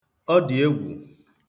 Ọ dị egwu